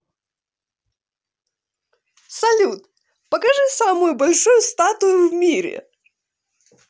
салют покажи самую большую статую в мире